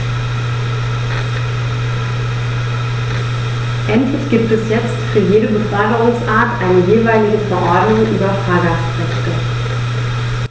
Endlich gibt es jetzt für jede Beförderungsart eine jeweilige Verordnung über Fahrgastrechte.